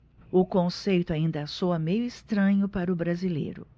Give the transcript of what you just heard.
o conceito ainda soa meio estranho para o brasileiro